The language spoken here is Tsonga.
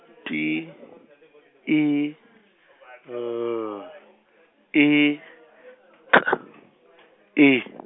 T I L I K I.